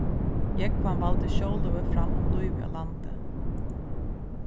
jógvan valdi sjólívið fram um lívið á landi